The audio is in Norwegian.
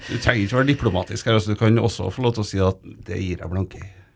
du trenger ikke å være diplomatisk her altså du kan også få lov til å si at det gir jeg blanke i.